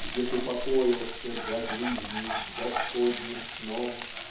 Где ты покоился до жизни Господним сном